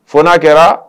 F' kɛra